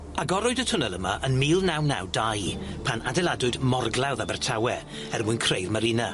Agorwyd y twnnel yma yn mil naw naw dau pan adeiladwyd Morglawdd Abertawe er mwyn creu marina.